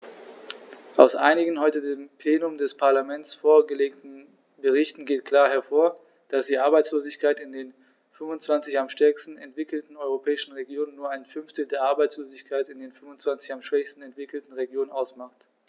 Aus einigen heute dem Plenum des Parlaments vorgelegten Berichten geht klar hervor, dass die Arbeitslosigkeit in den 25 am stärksten entwickelten europäischen Regionen nur ein Fünftel der Arbeitslosigkeit in den 25 am schwächsten entwickelten Regionen ausmacht.